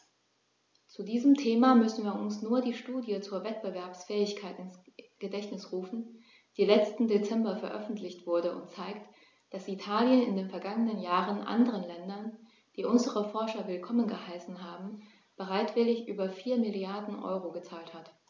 Zu diesem Thema müssen wir uns nur die Studie zur Wettbewerbsfähigkeit ins Gedächtnis rufen, die letzten Dezember veröffentlicht wurde und zeigt, dass Italien in den vergangenen Jahren anderen Ländern, die unsere Forscher willkommen geheißen haben, bereitwillig über 4 Mrd. EUR gezahlt hat.